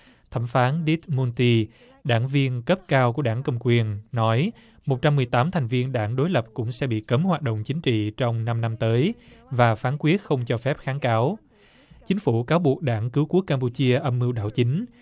thẩm phán đít mun ti đảng viên cấp cao của đảng cầm quyền nói một trăm mười tám thành viên đảng đối lập cũng sẽ bị cấm hoạt động chính trị trong năm năm tới và phán quyết không cho phép kháng cáo chính phủ cáo buộc đảng cứu quốc cam pu chia âm mưu đảo chính